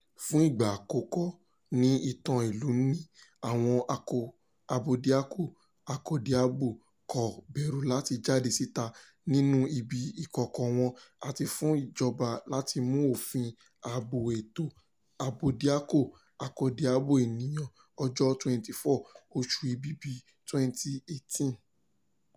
Fún ìgbà àkọ́kọ́ nínú ìtàn ìlúu nì, àwọn Abódiakọ-akọ́diabo kò bẹ̀rù láti jáde síta nínú ibi ìkòkọ̀ wọn àti fún ìjọba láti mú òfin Ààbò Ẹ̀tọ́ Abódiakọ-akọ́diabo Ènìyàn ọjọ́ 24, oṣù Èbìbì 2018.